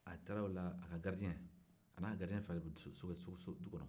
a taar'o la a ka garidiyen a n'a ka garidiyen fila de bɛ du kɔnɔ